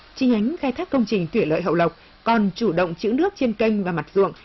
chi nhánh khai thác công trình thủy lợi hậu lộc còn chủ động trữ nước trên kênh và mặt ruộng